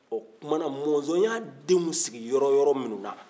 o tuma na mɔnzɔn y'a den sigi yɔrɔ minnu na